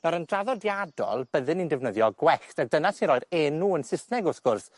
Nawr yn draddodiadol, bydden i'n defnyddio gwellt, a dyna sy'n roi'r enw yn Sysneg, wrth gwrs,